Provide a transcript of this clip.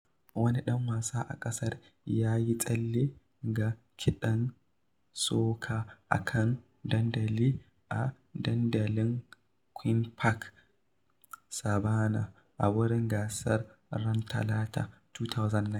Wani ɗan wasa a gasar, "ya yi tsalle" ga kiɗan soca a kan dandali a dandalin ƙueen's Park Saɓannah, a wurin gasar, ran Talata, 2009.